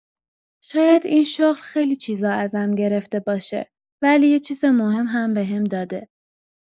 شاید این شغل خیلی چیزا ازم گرفته باشه، ولی یه چیز مهم هم بهم داده.